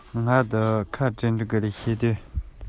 མཁའ ལ ཟུག པའི